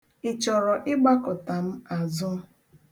Ị chọrọ ịgbakụta m azụ?